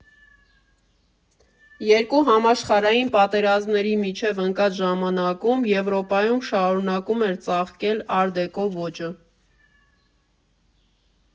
Երկու համաշխարհային պատերազմների միջև ընկած ժամանակում Եվրոպայում շարունակում էր ծաղկել ար֊դեկո ոճը։